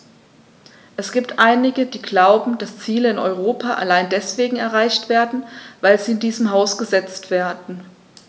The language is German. Es gibt einige, die glauben, dass Ziele in Europa allein deswegen erreicht werden, weil sie in diesem Haus gesetzt werden.